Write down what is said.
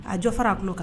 A jɔ fara a tulolo kan